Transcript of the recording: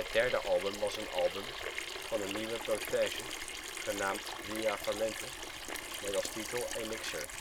derde album was een album van een nieuwe protegé genaamd Bria Valente met als titel Elixer